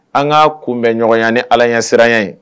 An k kaa kunbɛn ɲɔgɔnya ni ala ɲɛsira ye